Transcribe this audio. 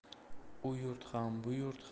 u yurt ham bu yurt